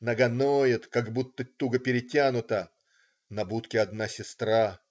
Нога ноет, как будто туго перетянута. На будке одна сестра.